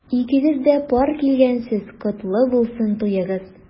Икегез дә пар килгәнсез— котлы булсын туегыз!